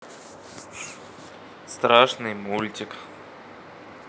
страшный мультик